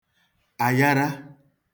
àyara